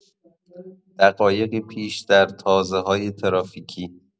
دقایقی پیش در تازه‌های ترافیکی!